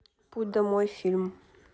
путь домой фильм